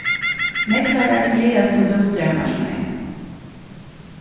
meklarar gleðast um bústaðarmarknaðin